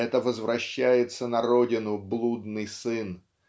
это возвращается на родину блудный сын